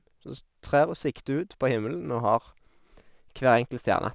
Så s trer hun, sikter ut på himmelen og har hver enkel stjerne.